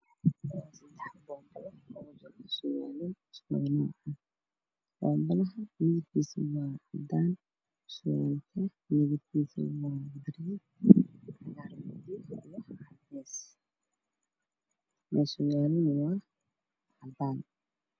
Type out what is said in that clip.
Waa boombalo midabkiisa yahay cadaan waxaa ku jira saddex sarwayaal oo kala ah cagaar madow jaalo biyo biyo ah dhulka waa cadaan